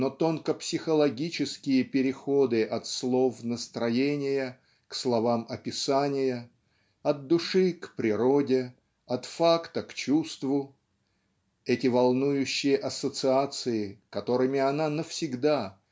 но тонко психологические переходы от слов настроения к словам описания от души к природе от факта к чувству эти волнующие ассоциации которыми она навсегда